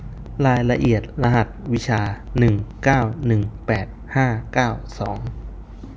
รายละเอียดรหัสวิชาหนึ่งเก้าหนึ่งแปดห้าเก้าสอง